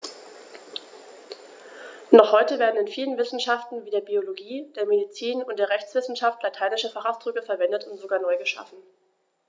Noch heute werden in vielen Wissenschaften wie der Biologie, der Medizin und der Rechtswissenschaft lateinische Fachausdrücke verwendet und sogar neu geschaffen.